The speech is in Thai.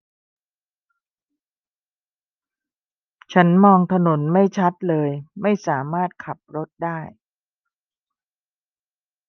ฉันมองถนนไม่ชัดเลยไม่สามารถขับรถได้